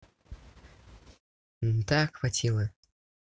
так захватило